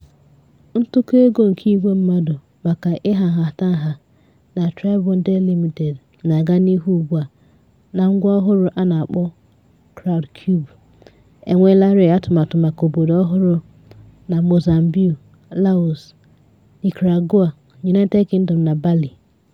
Ntụkọ-ego nke igwe mmadụ maka ịha nhatanha na TribeWanted Ltd na-aga n'ihu ugbua na ngwa ọhụrụ a na-akpọ Crowdcube, enweelarịị atụmatụ maka obodo ọhụrụ na Mozambique, Laos, Nicaragua, United Kingdom na Bali.